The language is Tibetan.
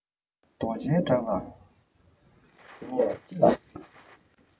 རྡོ རྗེའི བྲག ལ འགྱུར བ ཅི ལ སྲིད